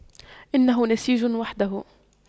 إنه نسيج وحده